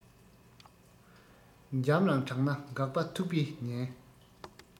འཇམ རང དྲགས ན འགག པ ཐུག པའི ཉེན